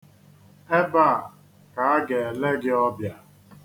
Ebea ka a ga-ele gị ọbịa.